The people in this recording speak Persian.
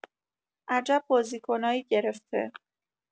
عجب بازیکنایی گرفته